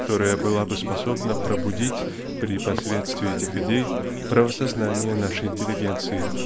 которая была бы способна пробудить при посредстве этих идей правосознание нашей интеллигенции?